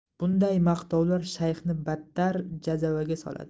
bunday maqtovlar shayxni battar jazavaga soladi